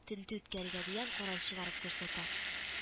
Тентү үткәрергә дигән карар чыгарып күрсәтә